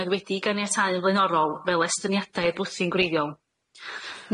oedd wedi'i ganiatáu'n flaenorol fel estyniadau blwthyn gwreiddiol.